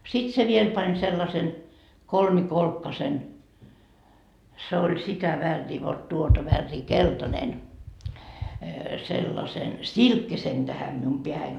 sitten se vielä pani sellaisen kolmikolkkaisen se oli sitä väriä vot tuota väriä keltainen sellaisen silkkisen tähän minun päähäni